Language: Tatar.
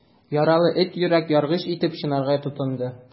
Яралы эт йөрәк яргыч итеп чинарга тотынды.